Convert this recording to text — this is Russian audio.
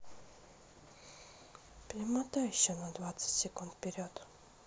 перемотай еще на двадцать секунд вперед